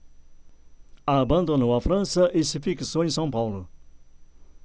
abandonou a frança e se fixou em são paulo